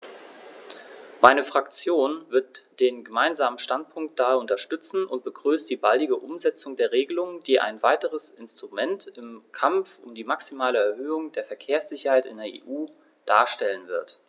Meine Fraktion wird den Gemeinsamen Standpunkt daher unterstützen und begrüßt die baldige Umsetzung der Regelung, die ein weiteres Instrument im Kampf um die maximale Erhöhung der Verkehrssicherheit in der EU darstellen wird.